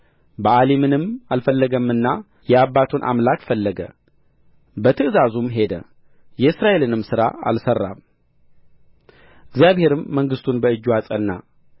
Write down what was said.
በኣሊምንም አልፈለገምና ነገር ግን የአባቱን አምላክ ፈለገ በትእዛዙም ሄደ የእስራኤልንም ሥራ አልሠራም እግዚአብሔርም መንግሥቱን በእጁ አጸና